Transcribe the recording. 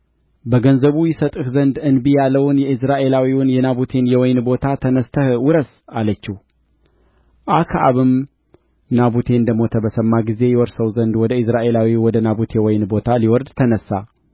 በገንዘብ ይሰጥህ ዘንድ እንቢ ያለውን የኢይዝራኤላዊውን የናቡቴን የወይን ቦታ ተነሥተህ ውረስ አለችው አክዓብም ናቡቴ እንደ ሞተ በሰማ ጊዜ ይወርሰው ዘንድ ወደ ኢይዝራኤላዊው ወደ ናቡቴ ወይን ቦታ ሊወርድ ተነሣ